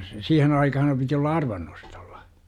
siihen aikaan piti olla arvannostolla